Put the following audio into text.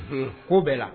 Ko bɛɛ la